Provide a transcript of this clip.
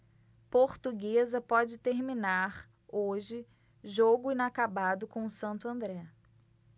portuguesa pode terminar hoje jogo inacabado com o santo andré